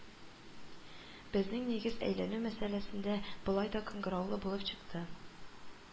Безнең нигез өйләнү мәсьәләсендә болай да кыңгыраулы булып чыкты